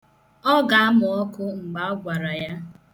Ọ ga-amụ ọkụ mgbe a gwara ya.